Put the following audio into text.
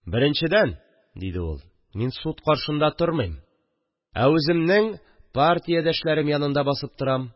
– беренчедән, – диде ул, – мин суд каршында тормыйм, ә үземнең партиядәшләрем янында басып торам